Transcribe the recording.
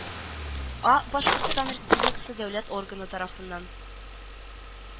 А башкортстан республикасы дәүләт органы тарафыннан